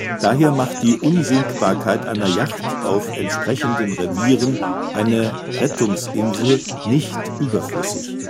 Daher macht die Unsinkbarkeit einer Yacht auf entsprechenden Revieren eine Rettungsinsel nicht überflüssig